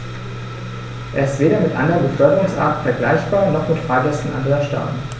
Er ist weder mit anderen Beförderungsarten vergleichbar, noch mit Fahrgästen anderer Staaten.